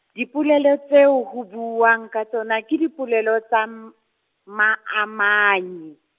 dipolelo tseo ho buuwang ka tsona ke dipolelo tsa m-, maamanyi.